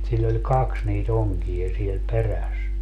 sillä oli kaksi niitä onkia siellä perässä